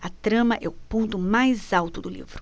a trama é o ponto mais alto do livro